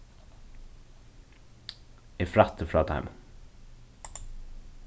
eg frætti frá teimum